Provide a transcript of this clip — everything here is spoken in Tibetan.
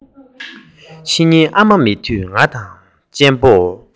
ཕྱི ཉིན ཨ མ མེད དུས ང དང གཅེན པོ